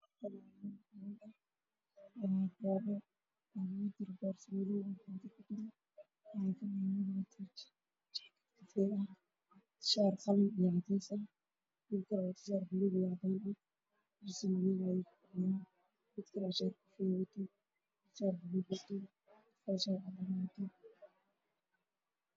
Meeshan waxaa joogay niman badan ninka u soo horeeyo waxa uu wataa suud jaliilkiisu yahay ciid iyo shaati cadaana wuxuu kaluu qabaa oo keello